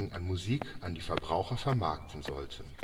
an Musik an die Verbraucher vermarkten sollten